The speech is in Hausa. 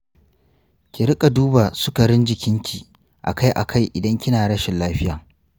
ki riƙa duba sukarin jininki akai-akai idan kina rashin lafiya.